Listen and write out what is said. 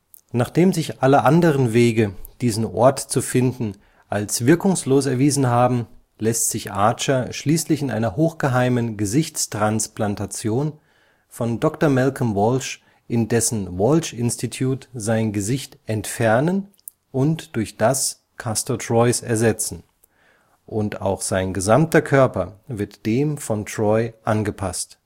Nachdem sich alle anderen Wege, diesen Ort zu finden, als wirkungslos erwiesen haben, lässt sich Archer schließlich in einer hochgeheimen Gesichtstransplantation von Dr. Malcom Walsh in dessen Walsh Institute sein Gesicht entfernen und durch das Castor Troys ersetzen, und auch sein gesamter Körper wird dem von Troy angepasst